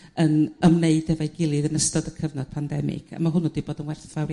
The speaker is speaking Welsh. yn ymwneud hefo'i gilydd yn ystod y cyfnod pandemig a ma' hwnnw 'di bod yn werthfawr